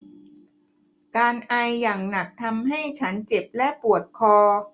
การไออย่างหนักทำให้ฉันเจ็บและปวดคอ